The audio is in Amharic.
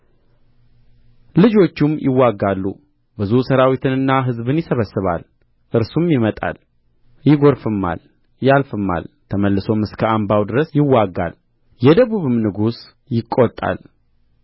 ልጆቹም ይዋጋሉ ብዙ ሠራዊትንና ሕዝብን ይሰበስባል እርሱም ይመጣል ይጐርፍማል ያልፍማል ተመልሶም እስከ አምባው ድረስ ይዋጋል የደቡብም ንጉሥ ይቈጣል